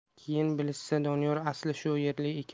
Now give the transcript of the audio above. keyin bilishsa doniyor asli shu yerlik ekan